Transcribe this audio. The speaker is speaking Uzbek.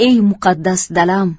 ey muqaddas dalam